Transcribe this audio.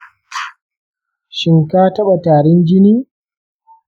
shin ka taba tarin jini?